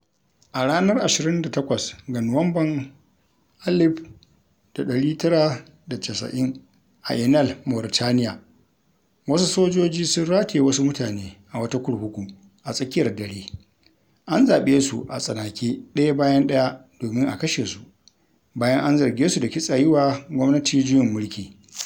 A ranar 28 ga Nuwamban 1990 a Inal, Mauritaniya, wasu sojoji sun rataye wasu mutane a wata kurkuku a tsakiyar dare, an zaɓe su a tsanake ɗaya bayan ɗaya domin a kashe su, bayan an zarge su da kitsa yi wa gwamnati juyin mulki.